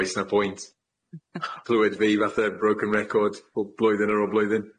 Oes na pwynt Clywed fi fatha broken record po- blwyddyn ar ôl blwyddyn?